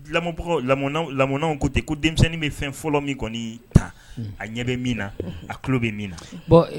Lamɔbagaw, lamɔnaw lamɔnaw ko ten ko denmisɛnnin bɛ fɛn fɔlɔ min kɔni ta a ɲɛ bɛ min na a tulolo bɛ min na, bon